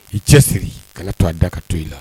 I cɛ siri kana to a da ka to i la